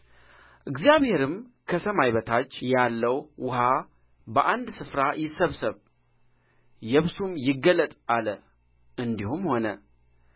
እግዚአብሔርም ከሰማይ በታች ያለው ውኃ በአንድ ስፍራ ይሰብሰብ የብሱም ይገለጥ አለ እንዲሁም ሆነ